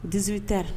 Dizw tɛ